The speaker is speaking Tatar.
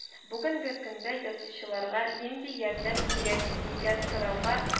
Бүгенге көндә язучыларга нинди ярдәм кирәк дигән сорауга